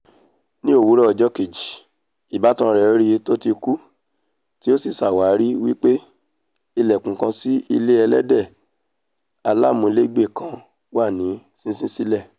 Ní òwurọ̀ ọjọ́ kejì, ìbátan rẹ̀ ríi tóti kú, tí ó sì ṣàwári wí pé ìlẹ̀kùn kan sí ilé ẹlẹ́dẹ̀ aláàmúlégbe kan wà ní sísí sílẹ̀.